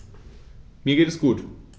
Mir geht es gut.